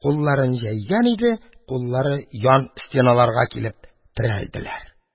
Кулларын җәйгән иде — куллары ян стеналарга килеп терәлделәр.